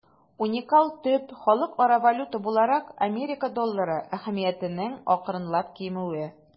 Уникаль төп халыкара валюта буларак Америка доллары әһәмиятенең акрынлап кимүе.